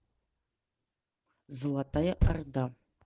золотая орда